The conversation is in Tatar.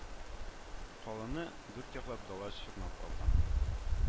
Каланы дүртьяклап дала чорнап алган